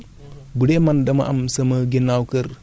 ñax matière organique la ñax jafewul